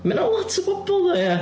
Ma hynna'n lot o bobl ddo ia.